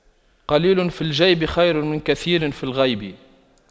قليل في الجيب خير من كثير في الغيب